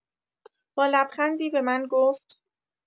با لبخندی به من گفت